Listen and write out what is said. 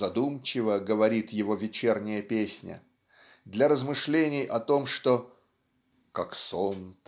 задумчиво говорит его "Вечерняя песня") для размышлений о том что Как сон